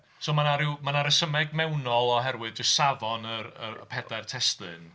So mae 'na ryw... mae 'na resymeg mewnol oherwydd jyst safon yr... yr pedair testun...